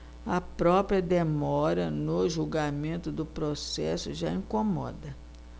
a própria demora no julgamento do processo já incomoda